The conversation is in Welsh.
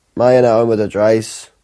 Mae yna ormod o drais.